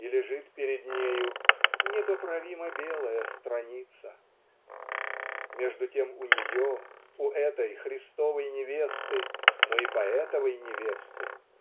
и лежит перед нею "непоправимо-белая страница". Между тем у нее у этой Христовой невесты но и поэтовой невесты